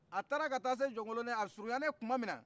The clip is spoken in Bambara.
a taara ka ta se jɔkoloni a suruyan ne kuma min na